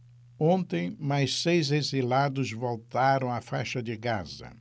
ontem mais seis exilados voltaram à faixa de gaza